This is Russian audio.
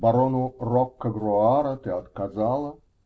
Барону Рокка-Груара ты отказала.